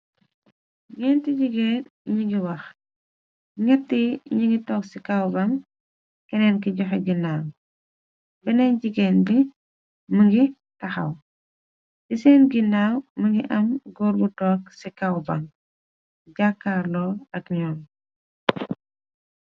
Ngenti jigéen ñi ngi wax, netti ñi ngi tog ci kaw bang keneen ki joxe ginaaw, beneen jigéen bi më ngi taxaw. Ci seen ginaaw mëngi am góor bu toog ci kaw bang, jàakaarloo ak ñoom.